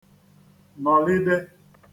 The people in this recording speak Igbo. nọ̀lide